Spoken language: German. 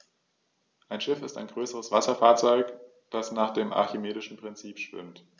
Ein Schiff ist ein größeres Wasserfahrzeug, das nach dem archimedischen Prinzip schwimmt.